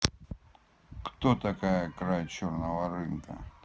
кто такая край черная рынка